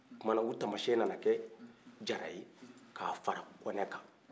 o kumana u tamasiɲɛ na na kɛ jara ye ka fara kɔnɛ kan